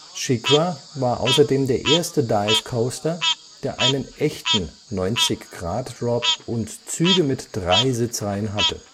SheiKra war außerdem der erste Dive Coaster, der einen echten 90°-Drop und Züge mit drei Sitzreihen hatte